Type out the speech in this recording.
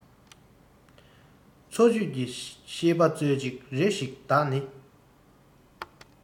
འཚོ བཅུད ཀྱི ཤིས པ སྩོལ ཅིག རེ ཞིག བདག ནི